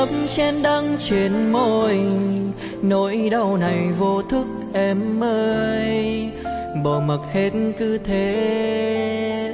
nhấp chén đắng trên môi nỗi đau này vô thức em ơi bỏ mặc hết cứ thế